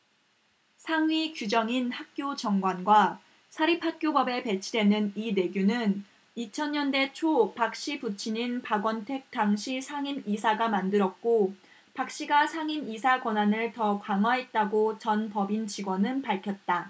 상위 규정인 학교 정관과 사립학교법에 배치되는 이 내규는 이천 년대 초 박씨 부친인 박원택 당시 상임이사가 만들었고 박씨가 상임이사 권한을 더 강화했다고 전 법인 직원은 밝혔다